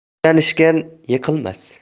suyanishgan yiqilmas